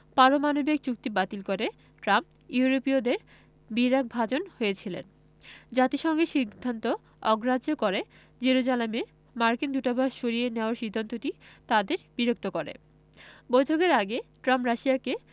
পারমাণবিক চুক্তি বাতিল করে ট্রাম্প ইউরোপীয়দের বিরাগভাজন হয়েছিলেন জাতিসংঘের সিদ্ধান্ত অগ্রাহ্য করে জেরুজালেমে মার্কিন দূতাবাস সরিয়ে নেওয়ার সিদ্ধান্তটি তাদের বিরক্ত করে বৈঠকের আগে ট্রাম্প রাশিয়াকে